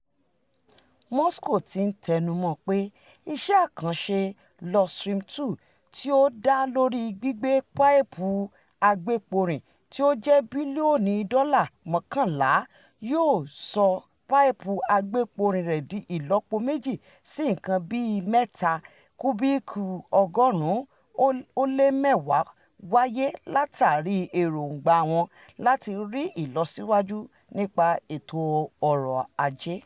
Moscow ti ń tẹnumọ́ pé iṣẹ́ àkànṣè Nord Stream 2 tí ó dá lórí gbígbé páìpù agbépo-rìn tí ó jẹ́ bílíọ́ọ̀nù dọ́là mọ́kànlá yóò sọ páìpù agbépo-rìn rẹ̀ di ìlọ́po méjì sí nǹkan bíi mítà kúbíìkì ọgọ́rùn-ún ó lé mẹ́wàá wáyé látàríi èròngbà wọn láti ní ìlọsíwájú nípa ètò ọrọ̀ ajé.